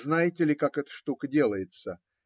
Знаете ли, как эта штука делается?